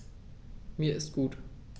Mir ist gut.